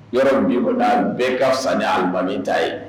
Yɔrɔ bɛbonda bɛɛ ka fisa an bange ta ye